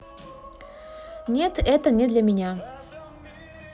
нет это не для меня